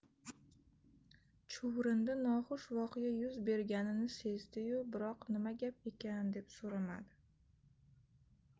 chuvrindi noxush voqea yuz berganini sezdi yu biroq nima gap ekan deb so'ramadi